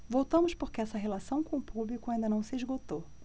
voltamos porque essa relação com o público ainda não se esgotou